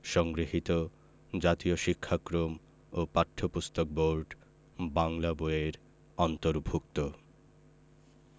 সংগৃহীত জাতীয় শিক্ষাক্রম ও পাঠ্যপুস্তক বোর্ড বাংলা বই এর অন্তর্ভুক্ত